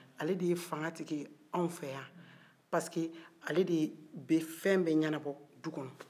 ale de ye fanŋa tigi ye anw fɛ yan pasike ale de bɛ fɛn bɛɛ ɲɛnabɔ du kɔnɔ